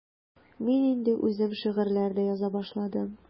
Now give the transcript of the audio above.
Мин инде үзем шигырьләр дә яза башладым.